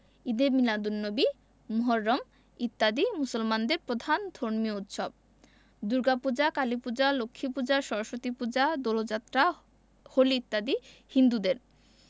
ঈদে মীলাদুননবী মুহররম ইত্যাদি মুসলমানদের প্রধান ধর্মীয় উৎসব দুর্গাপূজা কালীপূজা লক্ষ্মীপূজা সরস্বতীপূজা দোলযাত্রা হোলি ইত্যাদি হিন্দুদের